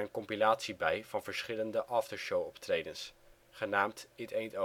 compilatie bij van verschillende aftershowoptredens, genaamd It